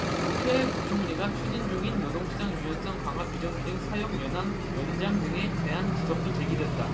최 부총리가 추진 중인 노동시장 유연성 강화 비정규직 사용연한 연장 등에 대한 지적도 제기됐다